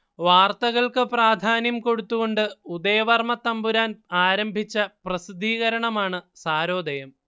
വാർത്തകൾക്ക് പ്രാധാന്യം കൊടുത്തുകൊണ്ട് ഉദയവർമ്മത്തമ്പുരാൻ ആരംഭിച്ച പ്രസിദ്ധീകരണമാണ് സാരോദയം